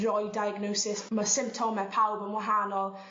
roi diagnosis ma' symptome pawb yn wahanol